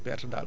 dëgg la